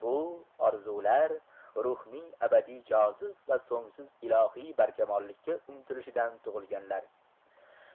bu orzular ruhning abadiy jozib va so'ngsiz ilohiy barkamollikka umtilishidan tug'ilganlar